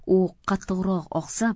u qattiqroq oqsab